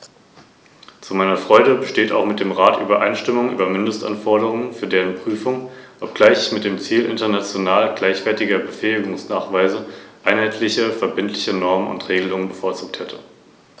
Diese Rechte betreffen vor allem Personen mit Behinderung beziehungsweise Personen mit eingeschränkter Mobilität.